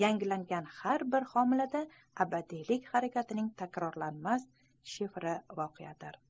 yangilangan har bir homilada abadiylik harakatining takrorlanmas shifri voqedir